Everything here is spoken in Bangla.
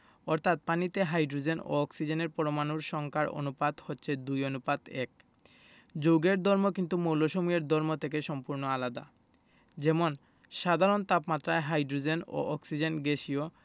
অর্থাৎ পানিতে হাইড্রোজেন ও অক্সিজেনের পরমাণুর সংখ্যার অনুপাত হচ্ছে ২ অনুপাত ১যৌগের ধর্ম কিন্তু মৌলসমূহের ধর্ম থেকে সম্পূর্ণ আলাদা যেমন সাধারণ তাপমাত্রায় হাইড্রোজেন ও অক্সিজেন গ্যাসীয়